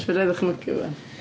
Fedra i ddychmygu fo 'wan.